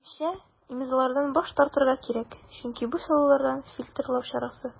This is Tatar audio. Минемчә, имзалардан баш тартырга кирәк, чөнки бу сайлауларда фильтрлау чарасы.